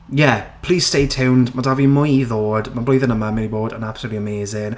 Ie. Please stay tuned. Ma' 'da fi mwy i ddod. Mae blwyddyn yma yn mynd i bod yn absolutely amazing.